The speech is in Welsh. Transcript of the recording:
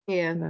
Ie. Na.